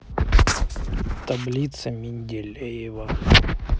таблица менделеева